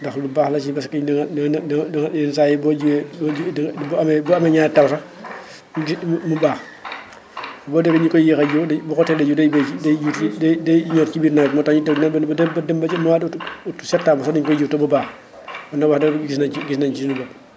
ndax lu baax la si parce que dina dina dina dina yenn saa yi boo jiwee boo ji bu amee ñaari taw sax ji mu mu baax boo déggee ñu koy yéex a ji boo ko teelee ji day béy si day day ñor si biir nawet bi moo tax ñu toog ba dem ba ci mois d' aôut aôut septembre sax dañ koy ji te mu baax ñun nag wax dëgg gis nañu si gis nañu si suñu bopp